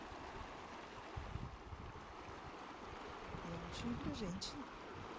я очень люблю женщин